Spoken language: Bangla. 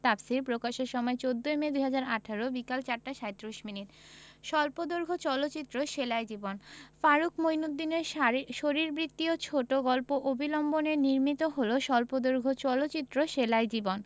তাফসীর প্রকাশের সময় ১৪মে ২০১৮ বিকেল ৪ টা ৩৭ মিনিট স্বল্পদৈর্ঘ্য চলচ্চিত্র সেলাই জীবন ফারুক মইনউদ্দিনের শারীর শরীরবৃত্তীয় ছোট গল্প অবলম্বনে নির্মিত হল স্বল্পদৈর্ঘ্য চলচ্চিত্র সেলাই জীবন